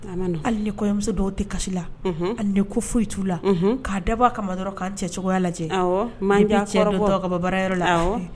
Hali ni kɔɲɔmuso dɔw tɛ kasi la ale ko foyi t'u la'a daba kama dɔrɔn k ka cɛ cogoyaya lajɛ ma ka baara yɔrɔ la